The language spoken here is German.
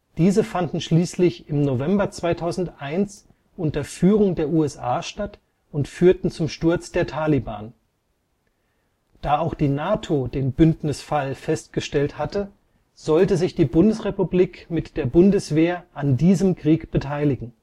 Diese fanden schließlich im November 2001 unter Führung der USA statt und führten zum Sturz der Taliban. Da auch die NATO den Bündnisfall festgestellt hatte, sollte sich die Bundesrepublik mit der Bundeswehr an diesem Krieg beteiligen